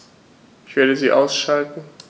Ich werde sie ausschalten